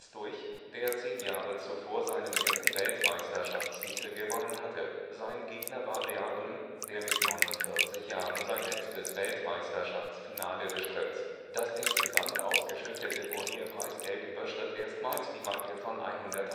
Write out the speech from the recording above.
durch, der zehn Jahre zuvor seinen ersten Weltmeisterschaftstitel gewonnen hatte. Sein Gegner war Reardon, der mit 49 Jahren sein letztes Weltmeisterschaftsfinale bestritt. Das insgesamt ausgeschüttete Turnierpreisgeld überschritt erstmals die Marke von 100.000